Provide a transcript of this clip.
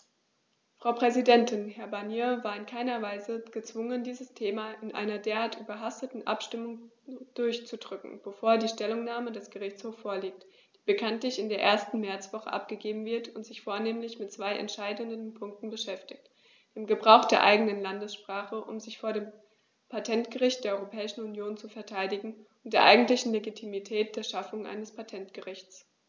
Frau Präsidentin, Herr Barnier war in keinerlei Weise gezwungen, dieses Thema in einer derart überhasteten Abstimmung durchzudrücken, bevor die Stellungnahme des Gerichtshofs vorliegt, die bekanntlich in der ersten Märzwoche abgegeben wird und sich vornehmlich mit zwei entscheidenden Punkten beschäftigt: dem Gebrauch der eigenen Landessprache, um sich vor dem Patentgericht der Europäischen Union zu verteidigen, und der eigentlichen Legitimität der Schaffung eines Patentgerichts.